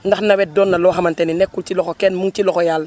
ndax nawet doon na loo xamante ne nekkul ci loxo kenn